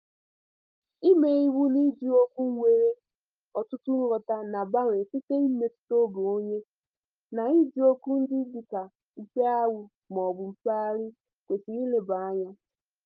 Ime iwu n'iji okwu nwere ọtụtụ nghọta na-agbanwe site na mmetụtaobi onye, na iji okwu ndị dịka ""mmekpa ahụ"" mọọbụ "mkparị"" kwesịrị nlebanye anya.